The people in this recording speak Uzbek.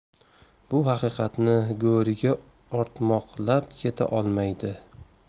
bu haqiqatni go'riga ortmoqlab keta olmaydi